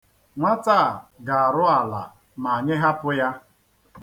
Nwata a ga-arụ ala ma anyị hapụ ya.